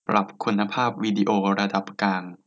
ปรับคุณภาพวิดีโอระดับกลาง